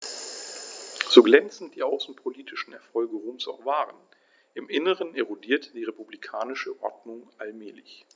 So glänzend die außenpolitischen Erfolge Roms auch waren: Im Inneren erodierte die republikanische Ordnung allmählich.